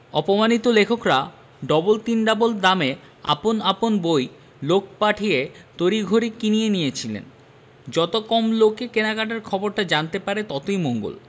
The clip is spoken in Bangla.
অপমানিত লেখকরা ডবল তিন ডবল দামে আপন আপন বই লোক পাঠিয়ে তড়িঘড়ি কিনিয়ে নিয়েছিলেন যত কম লোকে কেনাকাটার খবরটা জানতে পারে ততই মঙ্গল